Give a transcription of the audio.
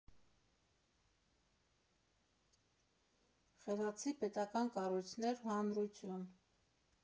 Խելացի պետական կառույցներ ու հանրություն։